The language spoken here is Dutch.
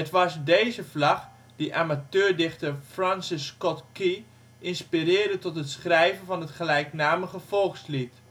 was deze vlag die amateur-dichter Francis Scott Key inspireerde tot het schrijven van het gelijknamige volkslied